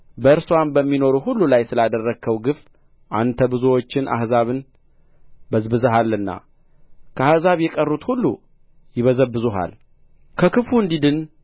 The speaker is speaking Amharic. በእርስዋም በሚኖሩ ሁሉ ላይ ስላደረግኸው ግፍ አንተ ብዙዎችን አሕዛብን በዝብዘሃልና ከአሕዛብ የቀሩት ሁሉ ይበዘብዙሃል ከክፉ እንዲድን